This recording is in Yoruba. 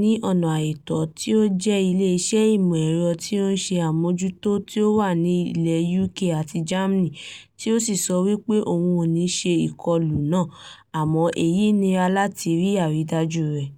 ní ọ̀nà àìtọ́, tí ó jẹ́ ilé iṣẹ́ ìmọ̀ ẹ̀rọ tí ó ń ṣe àmójútó tí ó wà ní ilẹ̀ UK àti Germany, tí ó sì sọ wí pé òun ni ó ṣe ìkọlù náà, àmọ́ èyí nira láti rí àrídájú rẹ̀.